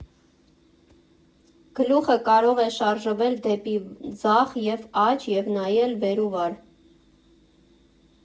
Գլուխը կարող է շարժվել դեպի ձախ և աջ և նայել վեր ու վար։